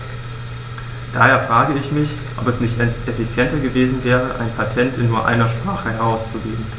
Daher frage ich mich, ob es nicht effizienter gewesen wäre, ein Patent in nur einer Sprache herauszugeben.